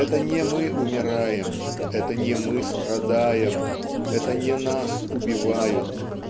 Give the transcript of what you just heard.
это не мы умираем, это не мы страдаем, это не нас убивают